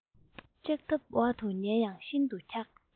ལྕགས ཐབ འོག ཏུ ཉལ ཡང ཤིན ཏུ འཁྱགས